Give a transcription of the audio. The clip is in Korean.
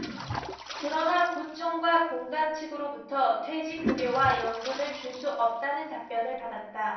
그러나 구청과 공단 측으로부터 퇴직급여와 연금을 줄 수 없다는 답변을 받았다